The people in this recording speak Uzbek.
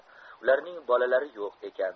ularning bolalari yo'q ekan